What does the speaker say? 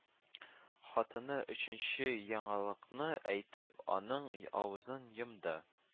Хатыны өченче яңалыкны әйтеп, аның авызын йомды: